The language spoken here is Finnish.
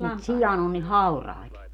mutta sian on niin hauraita